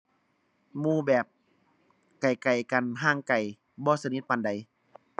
หมู่แบบไกลไกลกัน ห่างไกล บ่สนิทปานใด